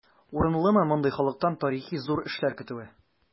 Урынлымы мондый халыктан тарихи зур эшләр көтүе?